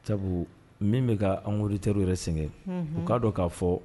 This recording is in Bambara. Sabu min bɛ ka anuru terirw yɛrɛ sen u k'a dɔn k'a fɔ